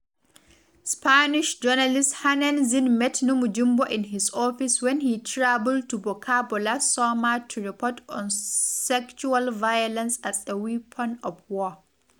Spanish journalist Hernán Zin met Namujimbo in his office when he traveled to Bukavu last summer to report on sexual violence as a weapon of war.